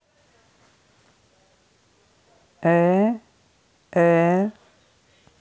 э э